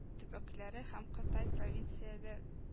Төбәкләре һәм кытай провинцияле